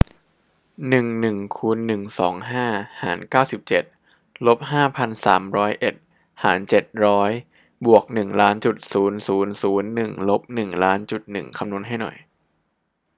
หนึ่งหนึ่งคูณหนึ่งสองห้าหารเก้าสิบเจ็ดลบห้าพันสามร้อยเอ็ดหารเจ็ดร้อยบวกหนึ่งล้านจุดศูนย์ศูนย์ศูนย์หนึ่งลบหนึ่งล้านจุดหนึ่งคำนวณให้หน่อย